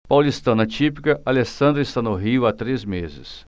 paulistana típica alessandra está no rio há três meses